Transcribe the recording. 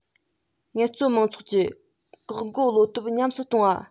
ངལ རྩོལ མང ཚོགས ཀྱི འགོག རྒོལ བློ སྟོབས ཉམས སུ གཏོང བ